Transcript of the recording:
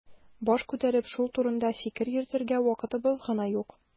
Баш күтәреп шул турыда фикер йөртергә вакытыбыз гына юк.